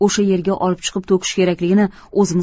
o'sha yerga olib chiqib to'kish kerakligini o'zimiz